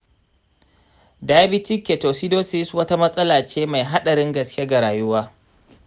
diabetic ketoacidosis wata matsala ce mai haɗarin gaske ga rayuwa.